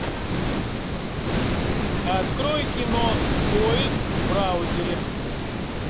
открой кино поиск в браузере